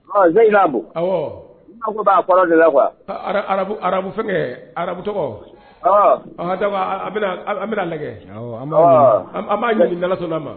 Bu aw a kɔrɔ la arabu arabu fɛnkɛ arabut an bɛna lajɛ an'a ɲa dalaso ma